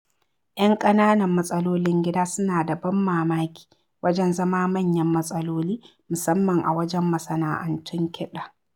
Yan ƙananan matsalolin gida suna da ban mamaki wajen zama manyan matsaloli - musamman a wajen masana'antun kiɗa.